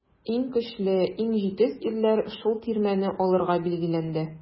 Иң көчле, иң җитез ирләр шул тирмәне алырга билгеләнде.